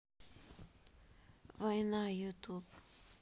война ютуб